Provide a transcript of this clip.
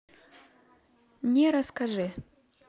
не расскажи